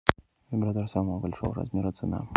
вибратор самого большого размера цена